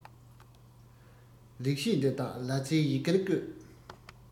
ལེགས བཤད འདི དག ལ ཙའི ཡི གེར བཀོད